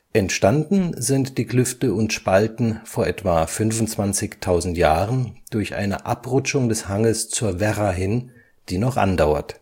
Entstanden sind die Klüfte und Spalten vor etwa 25.000 Jahren durch eine Abrutschung des Hanges zur Werra hin, die noch andauert